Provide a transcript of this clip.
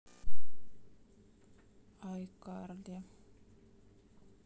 айкарли